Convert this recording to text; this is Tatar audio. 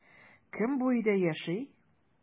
Кем бу өйдә яши?